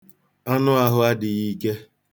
Anụ ahụ adịghike.